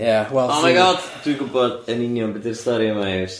Ie wel- Oh my god dwi'n gwybod yn union be' di'r stori yma Iws.